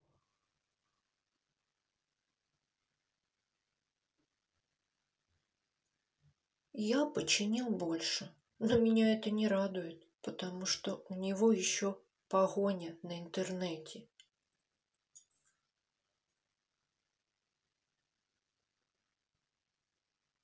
я починил больше но меня это не радует потому что у него еще погоня на интернете